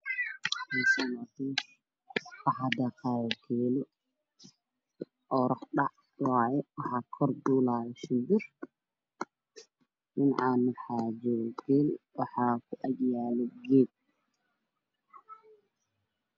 Waxaa ii muuqda laba geel weyn mid yar waa qardho geed cagaar ayaa meesha ka muuqda oo weyn wey daaqayaan